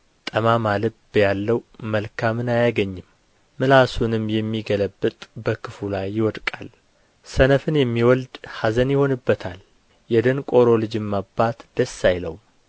ጠማማ ልብ ያለው መልካምን አያገኝም ምላሱንም የሚገለብጥ በክፉ ላይ ይወድቃል ሰነፍን የሚወልድ ኀዘን ይሆንበታል የደንቆሮ ልጅም አባት ደስ አይለውም